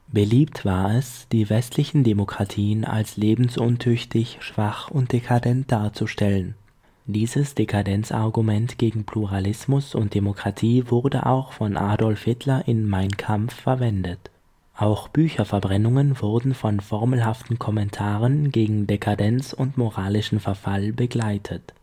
Beliebt war es, die westlichen Demokratien als lebensuntüchtig, schwach und dekadent darzustellen. Dieses Dekadenzargument gegen Pluralismus und Demokratie wurde auch von Adolf Hitler in Mein Kampf verwendet. Auch Bücherverbrennungen wurden von formelhaften Kommentaren „ gegen Dekadenz und moralischen Verfall “begleitet